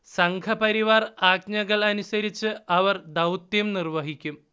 സംഘപരിവാർ ആജ്ഞകൾ അനുസരിച്ച് അവർ ദൗത്യം നിർവ്വഹിക്കും